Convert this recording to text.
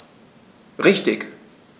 Richtig